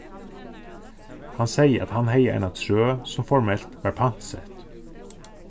hann segði at hann hevði eina trøð sum formelt var pantsett